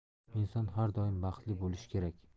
inson har doim baxtli bo'lishi kerak